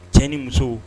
Cɛn ni muso